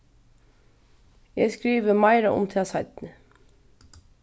eg skrivi meira um tað seinni